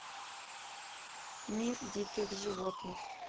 мир диких животных